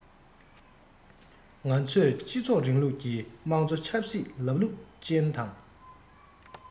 ང ཚོས སྤྱི ཚོགས རིང ལུགས ཀྱི དམངས གཙོ ཆབ སྲིད ལམ ལུགས ཅན དང